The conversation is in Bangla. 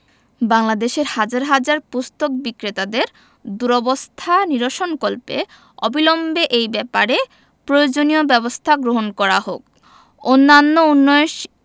বাংলাদেশের হাজার হাজার পুস্তক বিক্রেতাদের দুরবস্থা নিরসনকল্পে অবিলম্বে এই ব্যাপারে প্রয়োজনীয় ব্যাবস্থা গ্রহণ করা হোক অন্যান্য উন্নয়নশীল